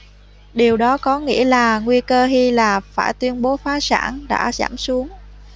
điều đó có nghĩa là nguy cơ hy lạp phải tuyên bố phá sản đã giảm xuống